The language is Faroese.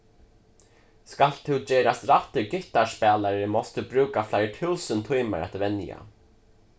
skalt tú gerast rættur gittarspælari mást tú brúka fleiri túsund tímar at venja